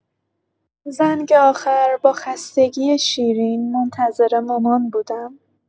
زنگ آخر با خستگی شیرین منتظر مامان بودم.